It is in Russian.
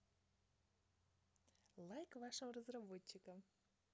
лайк вашим разработчикам